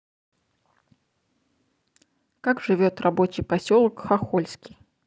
как живет рабочий поселок хохольский